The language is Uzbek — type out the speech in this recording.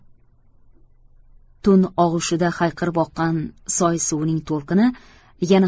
tun og'ushida hayqirib oqqan soy suvining to'lqini yana